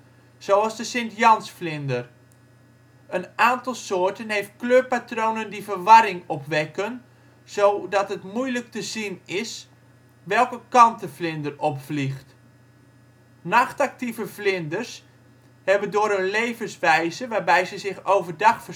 zoals de Sint-jansvlinder. Een aantal soorten heeft kleurpatronen die verwarring opwekken, zodat het moeilijk te zien is welke kant de vlinder opvliegt. Nachtactieve vlinders hebben door hun levenswijze waarbij ze zich overdag